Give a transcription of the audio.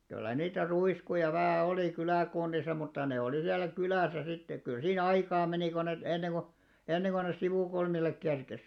kyllä niitä ruiskuja vähän oli kyläkunnissa mutta ne oli siellä kylässä sitten kyllä siinä aikaa meni kun ne ennen kuin ennen kuin ne sivukulmille kerkesi